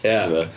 Ia.